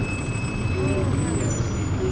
yomonning yarasi bitmas